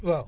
waaw